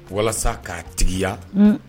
Walasa k'a tigiya, unhun.